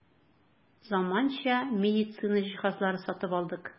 Заманча медицина җиһазлары сатып алдык.